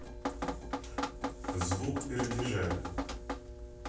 звуки пердежа